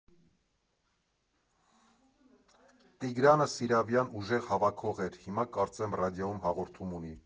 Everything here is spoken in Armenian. Տիգրանը Սիրավյան ուժեղ հավաքող էր, հիմա կարծեմ ռադիոյում հաղորդում ունի։